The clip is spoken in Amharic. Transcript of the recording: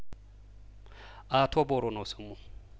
አቶ ቦሩ ነው ስሙ